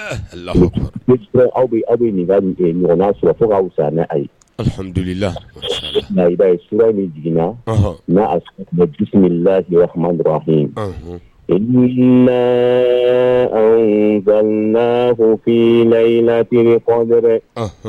Aw bɛ aw bɛ nin min mɔgɔ n'a sɔrɔ fo k'aw fisa ne ayi ye lahiyira ye su min jiginna n a dusu layi kumakurafin la kofinyik kɔ kosɛbɛ